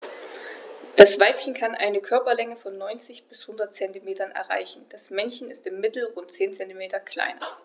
Das Weibchen kann eine Körperlänge von 90-100 cm erreichen; das Männchen ist im Mittel rund 10 cm kleiner.